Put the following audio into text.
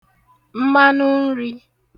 mmanụnrī